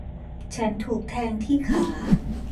ฉันถูกแทงที่ขา